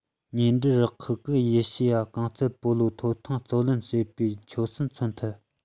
མཉམ འབྲེལ རུ ཁག གིས ཨེ ཤེ ཡ རྐང རྩེད སྤོ ལོ ཐོབ ཐང བརྩོན ལེན བྱེད པའི ཆོད སེམས མཚོན ཐུབ